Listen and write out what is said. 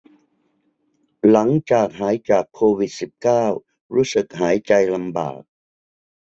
หลังจากหายจากโควิดสิบเก้ารู้สึกหายใจลำบาก